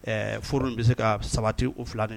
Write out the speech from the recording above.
Furu in bɛ se ka sabati o fila nin